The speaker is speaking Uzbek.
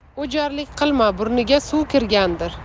o'jarlik qilma burniga suv kirgandir